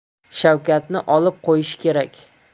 shavkatni olib qoilishi kerak